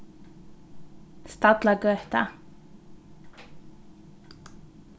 stallagøta